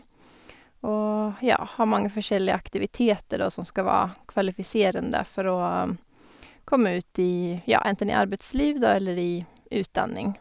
Og, ja, ha mange forskjellige aktiviteter, da, som skal være kvalifiserende for å komme ut i, ja, enten i arbeidsliv, da, eller i utdanning.